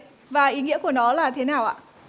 và ý nghĩa của nó là thế nào ạ